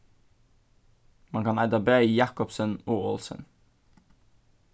man kann eita bæði jacobsen og olsen